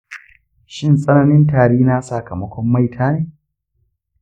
shin tsananin tari na sakamakon maita ne?